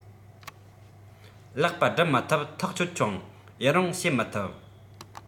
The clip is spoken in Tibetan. ལེགས པར སྒྲུབ མི ཐུབ ཐག ཆོད ཀྱང ཡུན རིང བྱེད མི ཐུབ